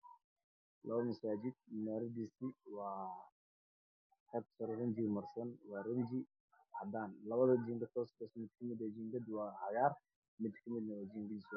Labo masaajid io manaaradiisa waa qeybta kore waxaa marsan riinji labada jiingad waa cagaar